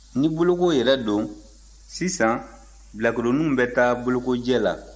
ni boloko yɛrɛ don sisan bilakoroninw bɛ taa bolokojɛ la